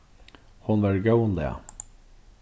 hon var í góðum lag